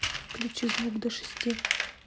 включи звук до шести